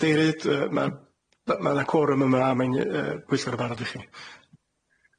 Dei reit yy ma' ma' ma' y corwm yma mae'n yy pwyllgor yn barod i chi.